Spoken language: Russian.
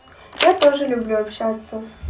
я тоже люблю общаться